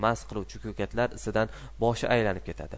mast qiluvchi ko'katlar isidan boshi aylanib ketadi